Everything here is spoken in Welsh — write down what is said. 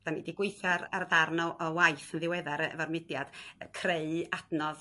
'Da ni i 'di gweithio ar ar ddarn o o waith yn ddiweddar efo'r mudiad yy creu adnodd